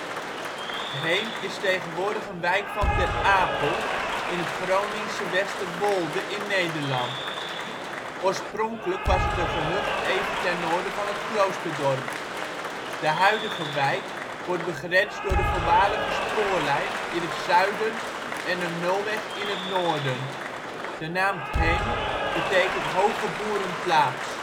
t Heem is tegenwoordig een wijk van Ter Apel in het Groningse Westerwolde (Nederland). Oorspronkelijk was het een gehucht even ten noorden van het kloosterdorp. De huidige wijk wordt begrensd door de voormalige spoorlijn in het zuiden en de Nulweg in het noorden. De naam ' t Heem betekent hoge boerenplaats